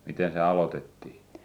miten se aloitettiin